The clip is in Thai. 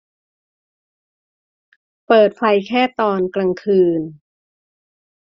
เปิดไฟแค่ตอนกลางคืน